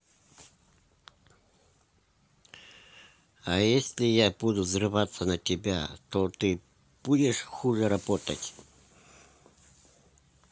а если я буду взрываться на тебя то ты будешь хуже работать